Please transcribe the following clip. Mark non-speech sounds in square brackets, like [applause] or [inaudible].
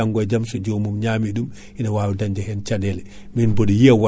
[breath] paquet foof non ene hebla kiloji nayyi awdi